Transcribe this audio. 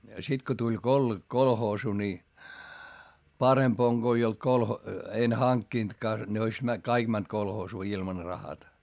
sitten kun tuli - kolhoosi niin parempi on kun ei ollut - en hankkinutkaan ne olisi - kaikki mennyt kolhoosiin ilman rahatta